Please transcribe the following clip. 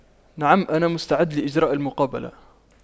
نعم انا مستعد لإجراء المقابلة